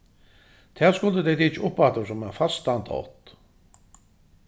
tað skuldu tey tikið upp aftur sum ein fastan tátt